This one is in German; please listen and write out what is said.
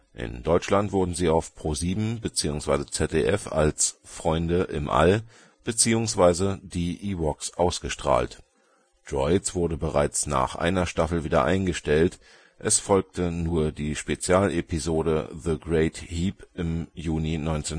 In Deutschland wurden sie auf PRO7 bzw. ZDF als Freunde im All bzw. Die Ewoks ausgestrahlt. Droids wurde bereits nach einer Staffel wieder eingestellt, es folgte nur die Spezial-Episode „ The Great Heep “im Juni 1986